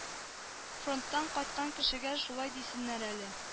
Фронттан кайткан кешегә шулай дисеннәр әле